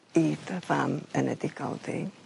i dy fam yn y digoldŷ.